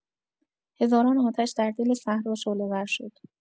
هزاران آتش در دل صحرا شعله‌ور شد.